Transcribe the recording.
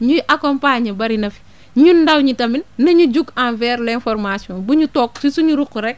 ñuy accompagner bëri na fi ñun ndaw ñi tamit nañu jug envers l' information bu ñu toog si suñu ruq rek